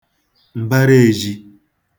m̀bara ēzhī